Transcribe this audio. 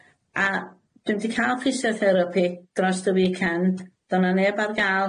A dwi'm 'di ca'l physiotherapy dros y weekend. Do' 'na neb ar ga'l.